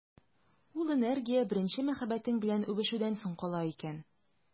Ул энергия беренче мәхәббәтең белән үбешүдән соң кала икән.